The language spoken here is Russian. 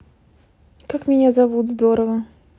как меня зовут здорово